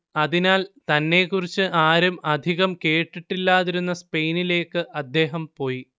അതിനാൽ തന്നെക്കുറിച്ച് ആരും അധികം കേട്ടിട്ടില്ലാതിരുന്ന സ്പെയിനിലേയ്ക്ക് അദ്ദേഹം പോയി